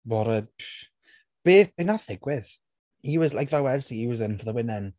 What a, psh, be be wnaeth ddigwydd? He was, like fel wedes i, he was in for the winning.